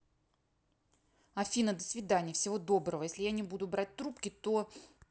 афина до свидания всего доброго если я не буду брать трубки то